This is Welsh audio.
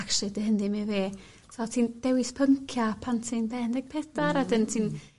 actually 'di hyn dim i fi so ti'n dewis pyncia' pan ti'n be' un deg pedwar a 'dyn ti'n